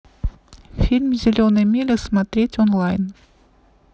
фильм зеленая миля смотреть онлайн